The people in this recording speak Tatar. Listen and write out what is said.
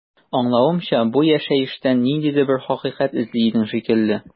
Аңлавымча, бу яшәештән ниндидер бер хакыйкать эзли идең шикелле.